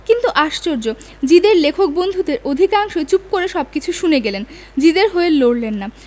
কিন্তু আশ্চর্য জিদের লেখক বন্ধুদের অধিকাংশই চুপ করে সবকিছু শুনে গেলেন জিদের হয়ে লড়লেন না